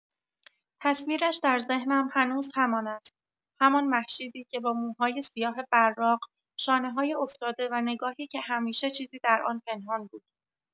تصویرش در ذهنم هنوز همان است، همان مهشیدی که با موهای سیاه براق، شانه‌های افتاده و نگاهی که همیشه چیزی در آن پنهان بود.